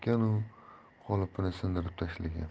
yaratganu qolipini sindirib tashlagan